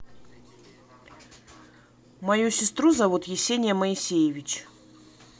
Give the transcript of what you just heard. мою сестру зовут есения моисеевич